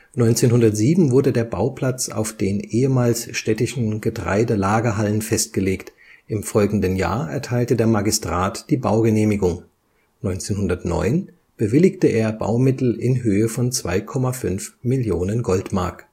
1907 wurde der Bauplatz auf den ehemals städtischen Getreidelagerhallen festgelegt, im folgenden Jahr erteilte der Magistrat die Baugenehmigung, 1909 bewilligte er Baumittel in Höhe von 2,5 Millionen Goldmark